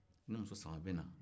i ni muso sama bɛ na